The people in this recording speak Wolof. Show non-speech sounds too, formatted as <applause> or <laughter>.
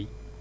<hesitation> <hesitation>